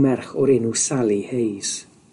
merch o'r enw Sally Hayes.